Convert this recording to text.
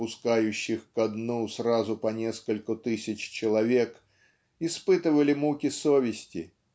пускающих ко дну сразу по нескольку тысяч человек" испытывали муки совести